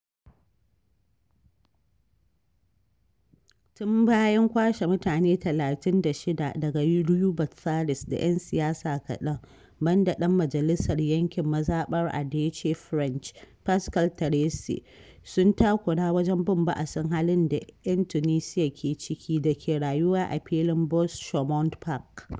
Tun bayan kwashe mutane 36 daga rue Botzaris, da ƴan siyasa kaɗan – banda ɗan majalisar yankin mazaɓar Ardèche French, Pascal Terrasse – sun takura wajen bin baasin halin da ‘yan Tunisiya ke ciki da ke rayuwa a filin Buttes Chaumont Park.